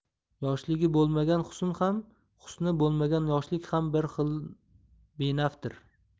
yoshligi bo'lmagan husn ham husni bo'lmagan yoshlik ham bir xilda benafdir